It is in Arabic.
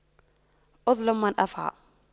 أظلم من أفعى